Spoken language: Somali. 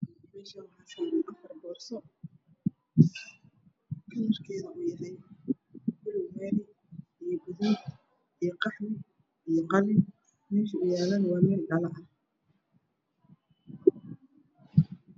Mesjan waxa saran afra booro kalarkedu yahay baluug mari io gaduud io qahwi io qalin mesh oo yalo waa mel dhalo ah